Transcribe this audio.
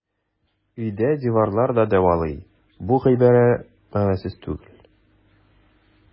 Өйдә диварлар да дәвалый - бу гыйбарә мәгънәсез түгел.